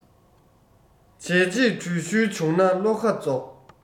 བྱས རྗེས དྲུད ཤུལ བྱུང ན བློ ཁ རྫོགས